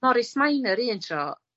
Morris Minor un tro.